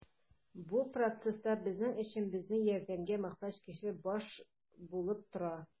Бу процесста безнең өчен безнең ярдәмгә мохтаҗ кеше баш булып тора.